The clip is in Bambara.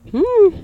H